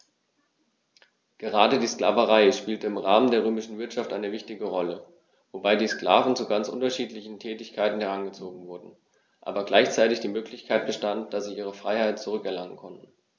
Gerade die Sklaverei spielte im Rahmen der römischen Wirtschaft eine wichtige Rolle, wobei die Sklaven zu ganz unterschiedlichen Tätigkeiten herangezogen wurden, aber gleichzeitig die Möglichkeit bestand, dass sie ihre Freiheit zurück erlangen konnten.